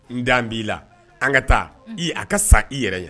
N da b'i la, an ka taa , i a ka san i yɛrɛ ɲɛna.